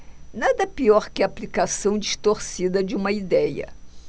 nada pior que a aplicação distorcida de uma idéia